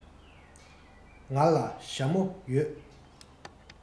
ང ལ ཞྭ མོ ཡོད